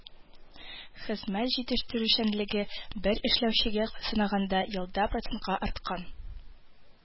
Хезмәт җитештерүчәнлеге, бер эшләүчегә санаганда, елда процентка арткан